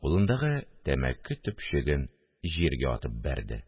Кулындагы тәмәке төпчеген җиргә атып бәрде